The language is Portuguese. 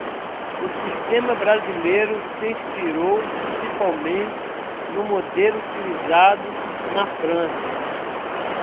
o sistema brasileiro se inspirou principalmente no modelo utilizado na frança